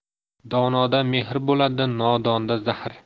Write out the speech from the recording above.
donoda mehr bo'ladi nodonda zahr